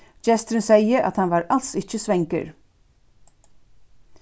gesturin segði at hann var als ikki svangur